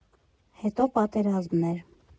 Հետո պատերազմն էր։